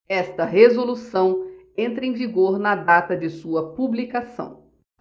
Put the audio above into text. esta resolução entra em vigor na data de sua publicação